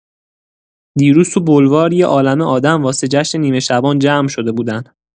دیروز تو بلوار یه عالمه آدم واسه جشن نیمه شعبان جمع شده بودن.